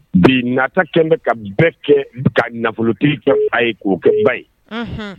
Bi nataa kɛ ni bɛ, ka bɛɛ kɛ, ka nafolotigi kɛ fa ye, k'o kɛ ba ye. Unhun!